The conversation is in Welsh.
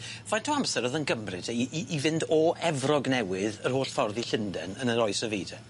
Faint o amser o'dd yn gymryd te i i i fynd o Efrog Newydd yr oll ffordd i Llunden yn yr oes o fi te?